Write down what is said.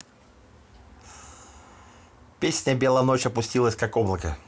песня белая ночь опустилась как облако